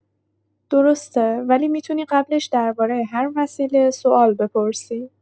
درسته، ولی می‌تونی قبلش درباره هر وسیله سؤال بپرسی.